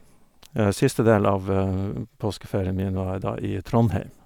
Siste del av påskeferien min var jeg da i Trondheim.